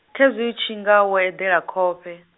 khezwi u tshinga wo eḓela khofhe?